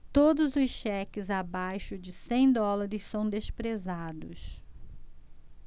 todos os cheques abaixo de cem dólares são desprezados